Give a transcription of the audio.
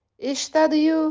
eshitadi yu